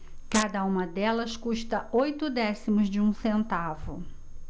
cada uma delas custa oito décimos de um centavo